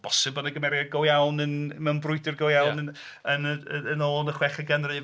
Bosib bod 'na gymeriad go iawn yn... mewn brwydr go iawn yn... yn y... yn ôl yn y chweched ganrif.